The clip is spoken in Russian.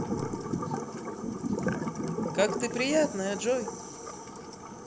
как ты приятная джой